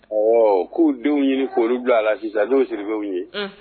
Ɔ k'u denw ɲini koro bila a la sisan denw siribew ye